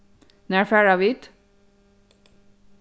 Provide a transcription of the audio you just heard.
nær fara vit